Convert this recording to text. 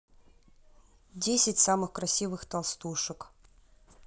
десять самых красивых толстушек